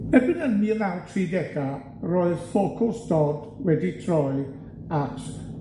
Erbyn y mil naw tri dega, roedd ffocws Dodd wedi troi at